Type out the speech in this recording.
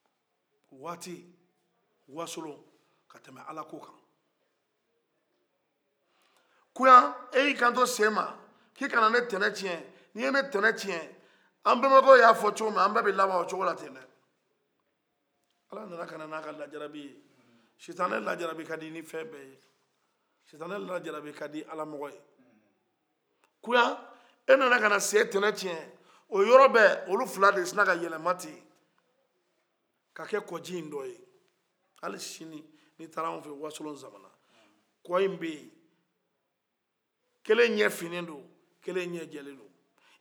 koya e ye i kan to se ma k'i kana ne tana tiɲɛ nin e ye ne tana tiɲɛ an bɛbakɛw y'a fɔ cogomi an bɛɛ bɛ laban o cogola ten dɛ ala nana ka na ni a ka lajarabi ye sitana lajarabi ka di ni fɛn bɛɛ ye sitana lajarabi ka di ni alamɔgɔ ye koya e nana ka na se tana tiɲɛ o yɔrɔ bɛ olu fila de sina ka yɛlɛma ten ka kɛ ko ji don ye ali sini ni i tara an fɛ ye wasolo zamana kɔ in bɛ ye kelen ɲɛfinnen don kelen ɲɛdiyɛlen don ɲɛfinma in ni i y'o soli ka kɛ ɲɛdiyɛma in na ɲɛfinma bɛ a pan ka taga a nɔna